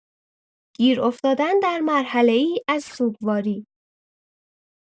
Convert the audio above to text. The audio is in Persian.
گیر افتادن در مرحله‌ای از سوگواری